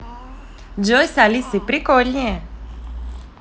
джой с алисой прикольнее